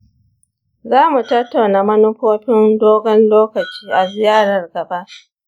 za mu tattauna manufofin dogon lokaci a ziyarar gaba.